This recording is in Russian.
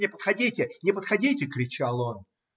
"Не подходите, не подходите!" - кричал он.